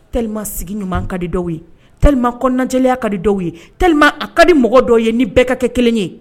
T sigi ɲuman ka di dɔw ye t kɔnɔnajɛya ka di dɔw ye t a ka di mɔgɔ dɔw ye ni bɛɛ ka kɛ kelen ye